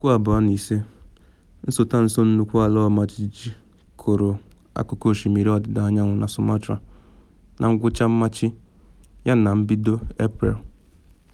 2005: Nsotanso nnukwu ala ọmajiji kụrụ akụkụ osimiri ọdịda anyanwụ nke Sumatra na ngwụcha Machị yana na mbido Eprel.